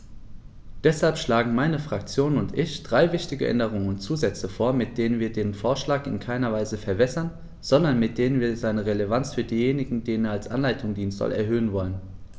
Deshalb schlagen meine Fraktion und ich drei wichtige Änderungen und Zusätze vor, mit denen wir den Vorschlag in keiner Weise verwässern, sondern mit denen wir seine Relevanz für diejenigen, denen er als Anleitung dienen soll, erhöhen wollen.